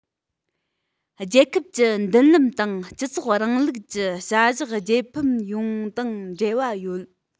རྒྱལ ཁབ ཀྱི མདུན ལམ དང སྤྱི ཚོགས རིང ལུགས ཀྱི བྱ གཞག རྒྱལ ཕམ ཇི ཡོང དང འབྲེལ བ ཡོད པ